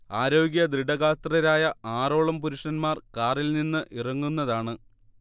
ആരോഗ്യദൃഡഗാത്രരായ ആറോളം പുരുഷന്മാർ കാറിൽ നിന്ന് ഇറങ്ങുന്നതാണ്